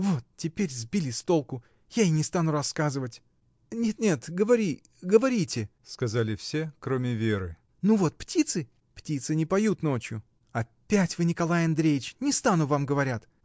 — Вот теперь сбили с толку — я и не стану рассказывать! — Нет, нет, говори, говорите! — сказали все, кроме Веры. — Ну, вот птицы. — Птицы не поют ночью. — Опять вы, Николай Андреич! не стану — вам говорят!